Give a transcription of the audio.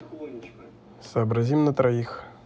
сообразим на троих